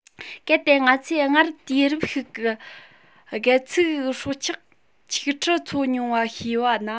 གལ ཏེ ང ཚོས སྔར དུས རབས ཤིག ལ སྒལ ཚིགས སྲོག ཆགས ཆིག ཁྲི འཚོ མྱོང བ ཤེས བ ན